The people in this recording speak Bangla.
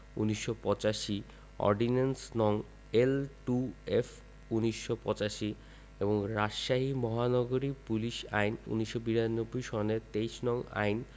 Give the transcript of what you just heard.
১৯৮৫ অর্ডিন্যান্স. নং. এল টু অফ ১৯৮৫ এবং রাজশাহী মহানগরী পুলিশ আইন ১৯৯২ ১৯৯২ সনের ২৩ নং আইন